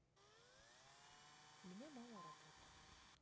у меня мало работы